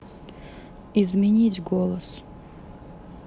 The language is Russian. изменить голос